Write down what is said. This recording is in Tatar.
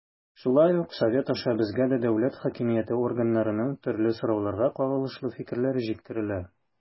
Шулай ук Совет аша безгә дә дәүләт хакимияте органнарының төрле сорауларга кагылышлы фикерләре җиткерелә.